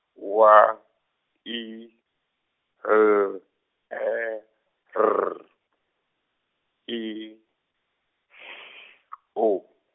W I L E R I S O.